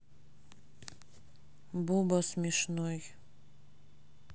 буба смешной